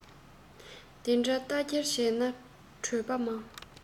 དེ འདྲས རྟ འཁྱེར བྱས ནས བྲོས པ མང